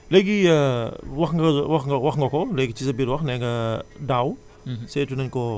léegi wax nga wax nga wax nga ko léegi ci sa biir wax nee nga daaw